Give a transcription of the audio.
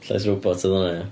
Llais robot oedd hwnna, ia?